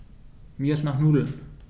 Mir ist nach Nudeln.